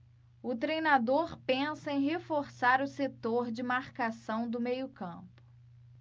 o treinador pensa em reforçar o setor de marcação do meio campo